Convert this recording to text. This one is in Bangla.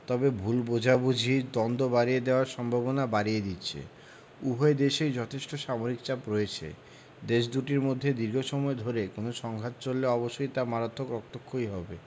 তবে ভুল বোঝাবুঝি দ্বন্দ্ব বাড়িয়ে দেওয়ার সম্ভাবনা বাড়িয়ে দিচ্ছে উভয় দেশেই যথেষ্ট সামরিক চাপ রয়েছে দেশ দুটির মধ্যে দীর্ঘ সময় ধরে কোনো সংঘাত চললে অবশ্যই তা মারাত্মক রক্তক্ষয়ী হবে